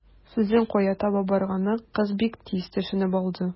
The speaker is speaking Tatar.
Сүзнең кая таба барганын кыз бик тиз төшенеп алды.